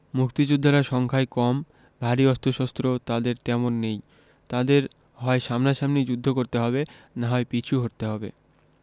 মুক্তিযোদ্ধারা সংখ্যায় কম ভারী অস্ত্রশস্ত্র তাঁদের তেমন নেই তাঁদের হয় সামনাসামনি যুদ্ধ করতে হবে না হয় পিছু হটতে হবে